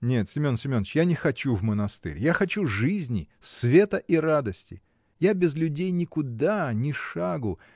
— Нет, Семен Семеныч, я не хочу в монастырь; я хочу жизни, света и радости. Я без людей никуда, ни шагу